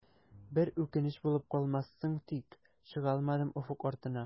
Бер үкенеч булып калмассың тик, чыгалмадым офык артына.